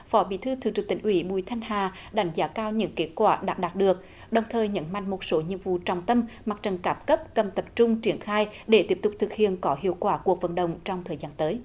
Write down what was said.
phó bí thư thường trực tỉnh ủy bùi thanh hà đánh giá cao những kết quả đã đạt được đồng thời nhấn mạnh một số nhiệm vụ trọng tâm mặt trận các cấp cần tập trung triển khai để tiếp tục thực hiện có hiệu quả cuộc vận động trong thời gian tới